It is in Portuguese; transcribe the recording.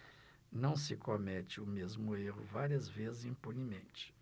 não se comete o mesmo erro várias vezes impunemente